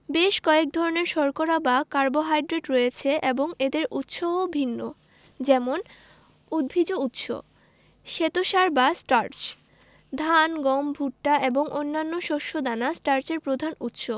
করে বেশ কয়েক ধরনের শর্করা বা কার্বোহাইড্রেট রয়েছে এবং এদের উৎস ও ভিন্ন যেমন উদ্ভিজ্জ উৎস শ্বেতসার বা স্টার্চ ধান গম ভুট্টা এবং অন্যান্য শস্য দানা স্টার্চের প্রধান উৎস